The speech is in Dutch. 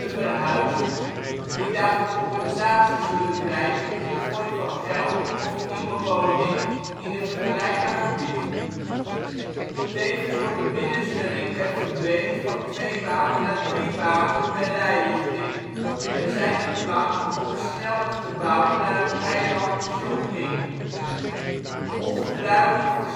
verhuisd, die daarvoor compensatie zullen krijgen in de vorm van geld of een nieuwe woning in een vergelijkbaar gebied. Tevens wordt de binnenste ringweg verbreed van twee banen naar drie banen per rijrichting en zijn er plannen om een snelweg te bouwen naar het eiland Chongming. Ongebruikelijk voor